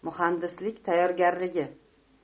muhandislik tayyorgarligi